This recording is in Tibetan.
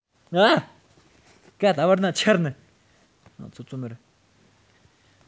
ཐབས བརྒྱ ཇུས སྟོང གིས མི རིགས ས ཁུལ གྱི དཔལ འབྱོར གོང འཕེལ ཇེ མགྱོགས སུ བཏང སྟེ